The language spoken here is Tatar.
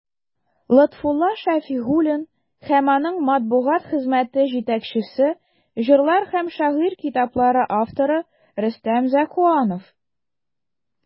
Лотфулла Шәфигуллин һәм аның матбугат хезмәте җитәкчесе, җырлар һәм шигырь китаплары авторы Рөстәм Зәкуанов.